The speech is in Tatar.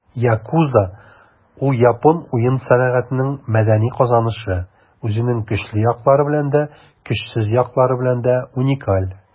Yakuza - ул япон уен сәнәгатенең мәдәни казанышы, үзенең көчле яклары белән дә, көчсез яклары белән дә уникаль.